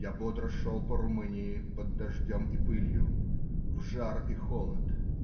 Я бодро шел по Румынии под дождем и пылью, в жар и холод.